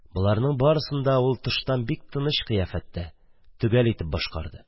Боларның барысын да ул тыштан бик тыныч кыяфәттә, төгәл итеп башкарды.